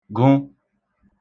gụ